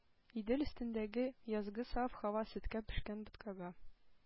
Идел өстендәге язгы саф һава сөткә пешкән боткага